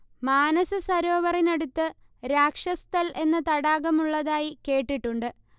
മാനസസരോവറിന്അടുത്ത് രാക്ഷസ്ഥൽ എന്ന തടാകം ഉളളതായി കേട്ടിട്ടുണ്ട്